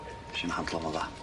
Nes i'm handlo fo'n dda.